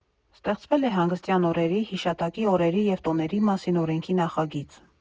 Ստեղծվել է հանգստյան օրերի, հիշատակի օրերի և տոների մասին օրենքի նախագիծ։